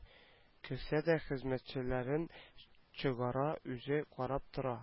Көлсә дә хезмәтчеләрен чыгара үзе карап тора